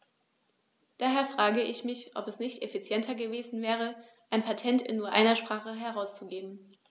Daher frage ich mich, ob es nicht effizienter gewesen wäre, ein Patent in nur einer Sprache herauszugeben.